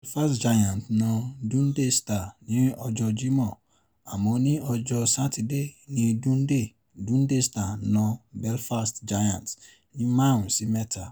Belfast Giants na Dundee Stars ní ọjọ́ Jímọ̀. Àmọ́ ní ọjọ́ Sátidé ní Dundee, Dundee Stars na Belfast Giants ní 5 sí 3.